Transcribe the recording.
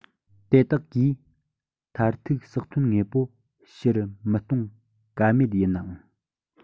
དེ དག གིས མཐར ཐུག ཟགས ཐོན དངོས པོ ཕྱིར མི གཏོང ག མེད ཡིན ནའང